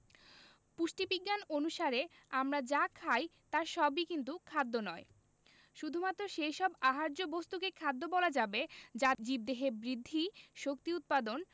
পুষ্টিবিজ্ঞান অনুসারে আমরা যা খাই তার সবই কিন্তু খাদ্য নয় শুধুমাত্র সেই সব আহার্য বস্তুকেই খাদ্য বলা যাবে যা জীবদেহে বৃদ্ধি শক্তি উৎপাদন